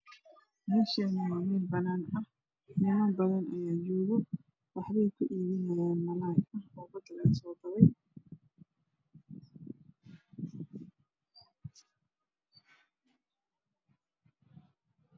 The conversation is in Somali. Medhan waa mel banan ah niman badan aya jogo waxbey kuibinayan oo malay ah oo bada laga sodabay